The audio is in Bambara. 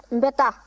n bɛ taa